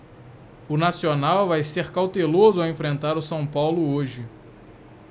o nacional vai ser cauteloso ao enfrentar o são paulo hoje